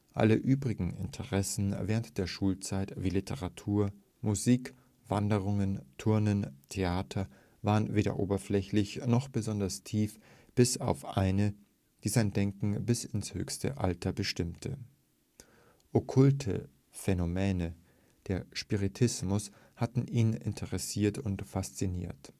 Alle übrigen Interessen während der Schulzeit wie Literatur, Musik, Wanderungen, Turnen, Theater waren weder oberflächlich noch besonders tief - bis auf eine, die sein Denken bis ins höchste Alter bestimmte. Okkulte Phänomene, der Spiritismus, hatten ihn interessiert und fasziniert